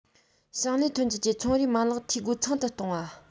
ཞིང ལས ཐོན རྫས ཀྱི ཚོང རའི མ ལག འཐུས སྒོ ཚང དུ གཏོང བ